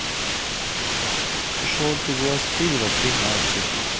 желтый глаз тигра тринадцать